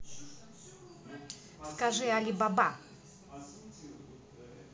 скажи алибаба